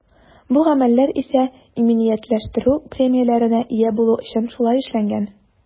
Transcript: Бу гамәлләр исә иминиятләштерү премияләренә ия булу өчен шулай эшләнгән.